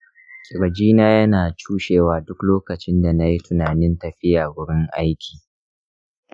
kirjina yana cushewa duk lokacin da na yi tunanin tafiya wurin aiki.